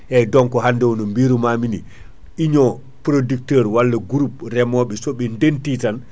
eyyi donc hande o no birumami ni union producteur walla groupe reemoɓɓe sooɓe denti tan